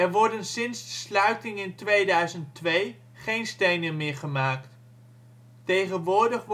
worden sinds de sluiting in 2002 geen stenen meer gemaakt. Tegenwoordig